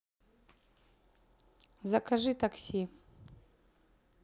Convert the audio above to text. закажи такси